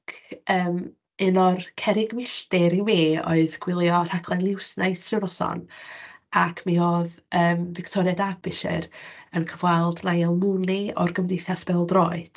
Ac yym un o'r cerrig milltir i mi oedd gwylio rhaglen Newsnight ryw noson, ac mi oedd yym Victoria Derbyshire yn cyfweld Mooney o'r gymdeithas bêl-droed.